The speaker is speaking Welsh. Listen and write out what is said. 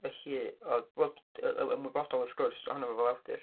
Felly, oedd... wel yy yn ymwybodol wrth gwrs ohono fo fel awdur.